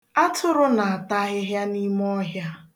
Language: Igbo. Atụrụ na-ata ahịhịa n'ime ọhịa